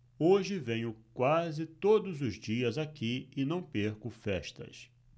hoje venho quase todos os dias aqui e não perco festas